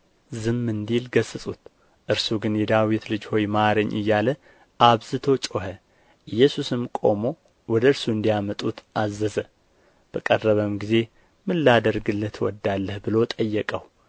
ዝም እንዲል ገሠጹት እርሱ ግን የዳዊት ልጅ ሆይ ማረኝ እያለ አብዝቶ ጮኸ ኢየሱስም ቆሞ ወደ እርሱ እንዲያመጡት አዘዘ በቀረበም ጊዜ ምን ላደርግልህ ትወዳለህ ብሎ ጠየቀው